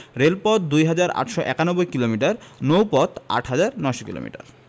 রেলপথ ২হাজার ৮৯১ কিলোমিটার নৌপথ ৮হাজার ৯০০ কিলোমিটার